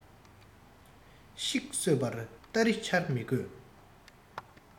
ཤིག གསོད པར སྟ རེ འཕྱར མི དགོས